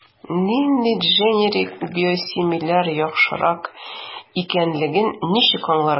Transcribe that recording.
Нинди дженерик/биосимиляр яхшырак икәнлеген ничек аңларга?